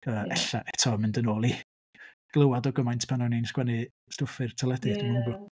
Yy ella eto mynd yn ôl i glywed o gymaint pan o'n i'n sgwennu stwff i'r teledu... ia. ...dwi'm yn gwbod.